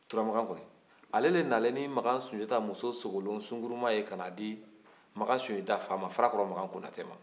turamakan kɔni ale de nanen ni makan sunjata muso sogolon sungurunma ye ka na di makan sunlata fa ma farakɔrɔ makan konatɛ ma